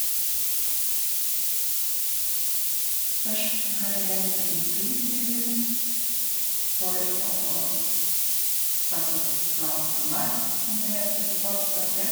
Først har jeg hentet inn pristilbud for å få satt opp plate på mark, som det heter på fagspråket.